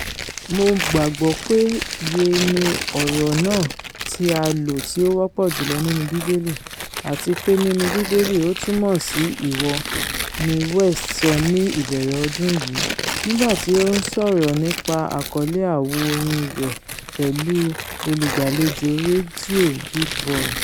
Mo gbàgbọ́ pe 'ye' ni ọ̀rọ̀ náà tí́ a lò tí o ́wọ́pò jùlọ nínú Bíbélì, àtipé nínú Bíbélì ó túmọ̀ sí 'ìwọ,''' ni West sọ ní ìbẹ̀rẹ̀ ọdún yìí, nígbàtí ó ńsọ̀rọ̀ nípa àkọlé àwo orin rè pẹ̀lú olùgbàlejò rédíò Big Boy.